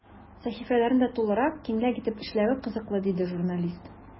Сәхифәләрне дә тулырак, киңрәк итеп эшләве кызыклы, диде журналист.